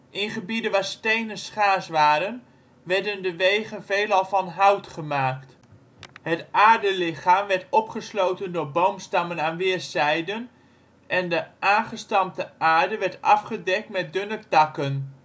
In gebieden waar stenen schaars waren, werden de wegen veelal van hout gemaakt. Het aardelichaam werd opgesloten door boomstammen aan weerszijden en de aangestampte aarde werd afgedekt met dunne takken